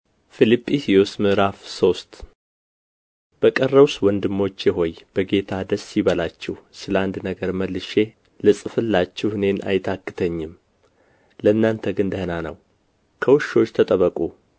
﻿ፊልጵስዩስ ምዕራፍ ሶስት በቀረውስ ወንድሞቼ ሆይ በጌታ ደስ ይበላችሁ ስለ አንድ ነገር መልሼ ልጽፍላችሁ እኔን አይታክተኝም ለእናንተ ግን ደኅና ነው ከውሾች ተጠበቁ